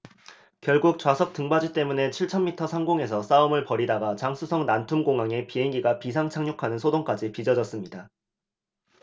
결국 좌석 등받이 때문에 칠천 미터 상공에서 싸움을 벌이다가 장쑤성 난퉁공항에 비행기가 비상 착륙하는 소동까지 빚어졌습니다